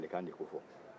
a bɛ kalekan de ko fɔ